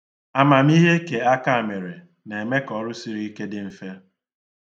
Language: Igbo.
Amamihe keakamere na-eme ka ọrụ siri ike dị mfe.